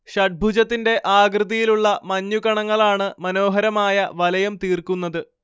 ഷഡ്ഭുജത്തിന്റെ ആകൃതിയിലുള്ള മഞ്ഞുകണങ്ങളാണ് മനോഹരമായ വലയം തീർക്കുന്നത്